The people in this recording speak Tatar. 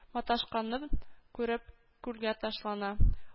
Маташканын күреп, күлгә ташлана